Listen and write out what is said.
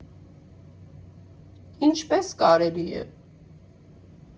«Ինչպե՞ս կարելի է…